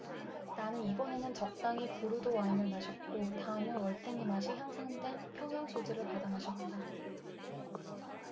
나는 이번에는 적당히 보르도 와인을 마셨고 다음은 월등히 맛이 향상된 평양 소주를 받아 마셨다